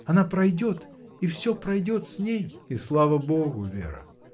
Она пройдет — и всё пройдет с ней. — И слава Богу, Вера!